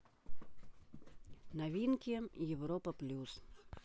новинки европа плюс